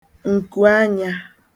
nkùanyā